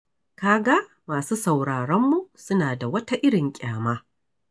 Ka ga, masu sauraronmu suna da wata irin ƙyama…